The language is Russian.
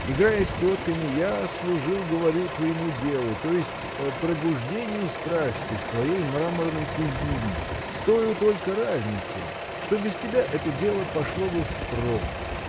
Играя с тетками, я служил, говорю, твоему делу, то есть пробуждению страсти в твоей мраморной кузине, с тою только разницею, что без тебя это дело пошло было впрок.